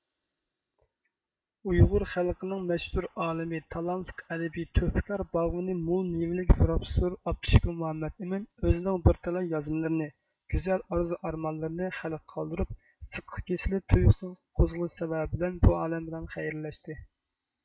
ئۇيغۇر خەلقىنىڭ مەشھۇر ئالىمى تالانتلىق ئەدىبى تۆھپىكار باغۋېنى مول مېۋىلىك پروفېسورى ئابدۇشكۇر مۇھەممەد ئىمىن ئۆزىنىڭ بىر تالاي يازمىلىرىنى گۈزەل ئارزۇ ئارمانلىرىنى خەلقىگە قالدۇرۇپ زېققا كېسىلى تۇيۇقسىز قوزغىلىشى سەۋەبى بىلەن بۇ ئالەم بىلەن خەيرلەشتى